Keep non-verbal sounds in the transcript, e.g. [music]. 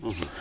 [hesitation] [hesitation]